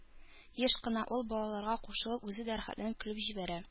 Еш кына ул, балаларга кушылып, үзе дә рәхәтләнеп көлеп җибәрә.